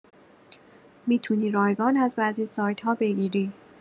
می‌تونی رایگان از بعضی سایت‌ها بگیری